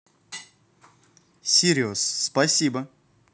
serious спасибо